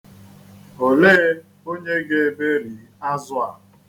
Olee onye ga-eberi azụ a?